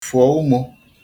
fụ̀ọ umo